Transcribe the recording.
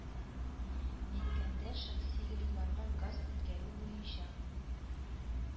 Әйткәндә, шәхси йортларга газ үткәрү буенча